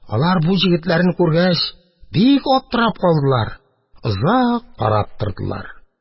Алар, бу егетләрне күргәч, бик аптырап калдылар, озак карап тордылар.